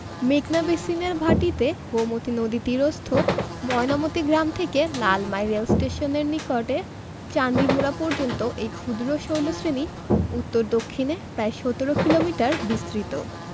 মেঘনা বেসিনের ভাটিতে গোমতী নদী তীরস্থ ময়নামতী গ্রাম থেকে লালমাই রেলস্টেশনের নিকটে চান্দিমুরা পর্যন্ত এই ক্ষুদ্র শৈলশ্রেণি উত্তর দক্ষিণে প্রায় ১৭ কিলোমিটার বিস্তৃত